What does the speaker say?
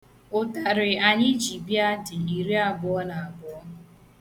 Ụtarị anyị ji bịa dị iriabụọ na abụọ.